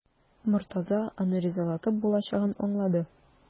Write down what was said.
Мортаза аны ризалатып булачагын аңлады.